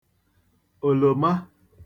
òlòma